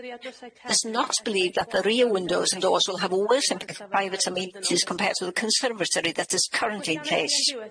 Let's not believe that the rear windows and doors will have worse i- private amenities compared to the conservatory that is currently in place.